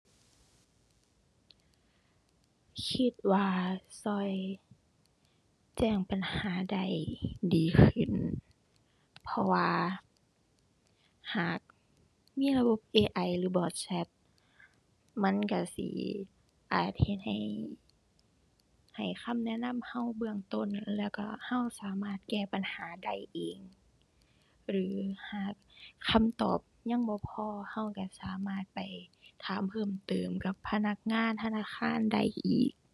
คิดว่าช่วยแจ้งปัญหาได้ดีขึ้น เพราะว่าหากมีระบบ AI หรือ bot chat มันช่วยสิอาจเฮ็ดให้ ให้คำแนะนำช่วยเบื้องต้นแล้วช่วยช่วยสามารถแก้ปัญหาได้เอง หรือหาคำตอบยังบ่พอช่วยช่วยสามารถไปถามเพิ่มเติมกับพนักงานธนาคารได้อีก